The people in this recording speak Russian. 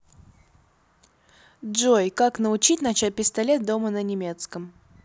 джой как научить начать пистолет дома на немецком